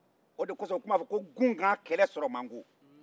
o de kosɔn u tun b'a fɔ ko gunkan kɛlɛ sɔrɔ man go